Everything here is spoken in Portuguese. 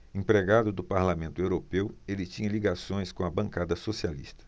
empregado do parlamento europeu ele tinha ligações com a bancada socialista